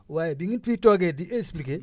waaye bi ngeen fi toogee di expliqué